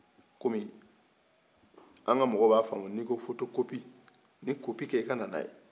comi an ka mɔgɔ b'a famuya n'i ko fotokopi nin kopi kɛ i kana n'a ye